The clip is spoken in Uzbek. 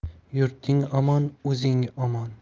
yurting omon o'zing omon